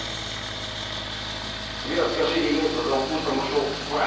сбер скажи дениса за укусом ушел спать